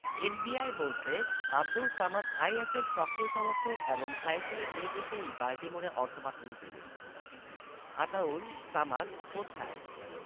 FBI বলছে আবদুল সামাদ আইএসের সক্রিয় সমর্থক এবং সাইফুলের নির্দেশেই বাল্টিমোরে অর্থ পাঠাতেন তিনি আতাউল সামাদ কোথায়